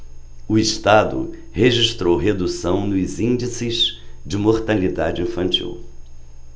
o estado registrou redução nos índices de mortalidade infantil